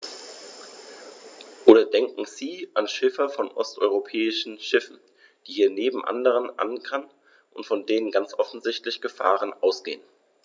Oder denken Sie an Schiffer von osteuropäischen Schiffen, die hier neben anderen ankern und von denen ganz offensichtlich Gefahren ausgehen.